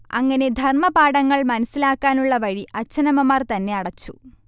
അങ്ങനെ ധർമപാഠങ്ങൾ മനസ്സിലാക്കാനുള്ള വഴി അച്ഛനമ്മമാർതന്നെ അടച്ചു